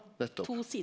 nettopp.